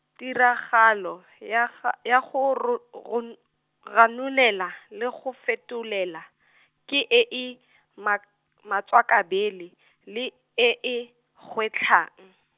tiragalo, ya ga ya go ro-, ron-, ranolela le go fetolela , ke e e, ma-, matswakabele, le e e, gwetlhang.